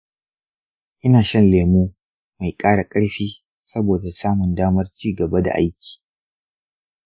ina shan lemo mai ƙara ƙarfi saboda samun damar ci gaba da aiki